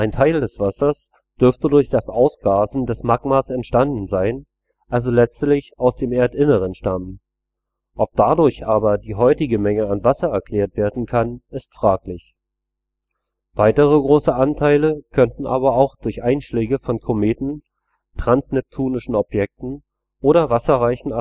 Teil des Wassers dürfte durch das Ausgasen des Magmas entstanden sein, also letztlich aus dem Erdinneren stammen. Ob dadurch aber die heutige Menge an Wasser erklärt werden kann, ist fraglich. Weitere große Anteile könnten aber auch durch Einschläge von Kometen, transneptunischen Objekten oder wasserreichen